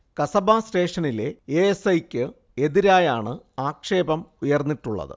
കസബ സ്റ്റേഷനിലെ A. S. I. ക്ക് എതിരെയാണ് ആക്ഷേപം ഉയർന്നിട്ടുള്ളത്